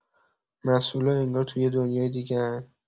مسئولا انگار تو یه دنیای دیگه‌ان.